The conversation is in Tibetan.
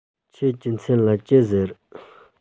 ཁྱེད ཀྱི མཚན ལ ཅི ཟེར